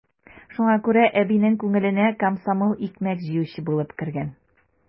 Шуңа күрә әбинең күңеленә комсомол икмәк җыючы булып кергән.